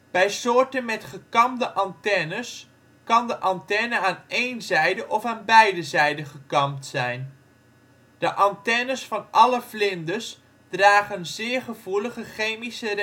bij soorten met gekamde antennes kan de antenne aan één zijde of aan beide zijden gekamd zijn. De antennes van alle vlinders dragen zeer gevoelige chemische